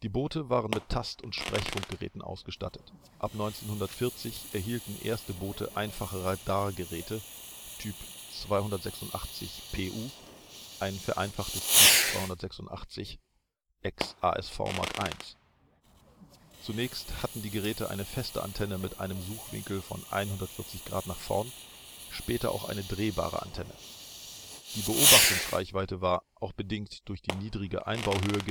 Boote waren mit Tast - und Sprechfunkgeräten ausgestattet. Ab 1940 erhielten erste Boote einfache Radargeräte Typ 286PU, ein vereinfachtes Typ 286 (ex ASV Mk.I). Zunächst hatten die Geräte eine feste Antenne mit einem Suchwinkel von 140 Grad nach vorn, später auch eine drehbare Antenne. Die Beobachtungsreichweite war – auch bedingt durch die niedrige Einbauhöhe